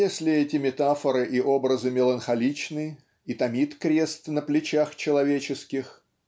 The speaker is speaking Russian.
Если эти метафоры и образы меланхоличны и томит крест на плечах человеческих